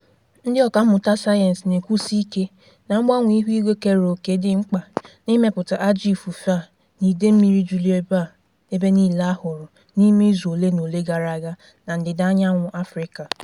Ndị ọkàmmụta sayensị na-ekwusi ike na mgbanwe ihuigwe keere òkè dị mkpa n'imepụta ajọ ifufe a na ide mmiri juru ebe niile a hụrụ n'ime izu ole na ole gara aga na ndịdaanyanwụ Afrịka.